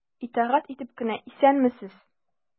Итагать итеп кенә:— Исәнмесез!